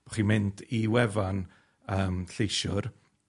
By' chi'n mynd i wefan yym lleisiwr,